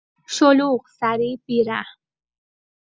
شلوغ، سریع، بی‌رحم.